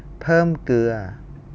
เพิ่มเกลือ